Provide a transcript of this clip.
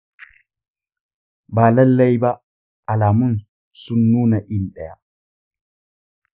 ba lalai ba. alamun sun nuna iri ɗaya.